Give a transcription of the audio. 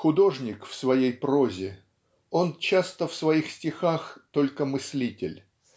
Художник в своей прозе, он часто в своих стихах - только мыслитель.